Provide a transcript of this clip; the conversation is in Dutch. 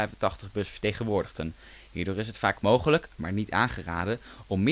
hierdoor is het vaak mogelijk - maar niet aangeraden - om